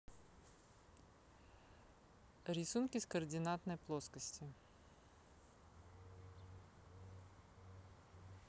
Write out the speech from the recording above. рисунки с координатной плоскости